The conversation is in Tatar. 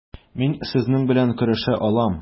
Мин сезнең белән көрәшә алам.